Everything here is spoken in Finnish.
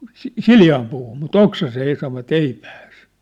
- sileään puuhun mutta oksaiseen ei sanoivat ei pääse